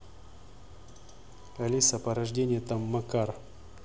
алиса порождение там макар